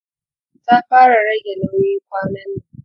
ta fara rage nauyi kwanan nan.